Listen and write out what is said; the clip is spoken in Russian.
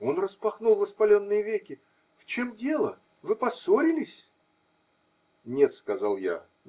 Он распахнул воспаленные веки: -- В чем дело? Вы поссорились? -- Нет, -- сказал я.